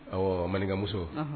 Ɔ manka muso